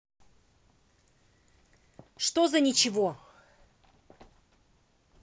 что за ничего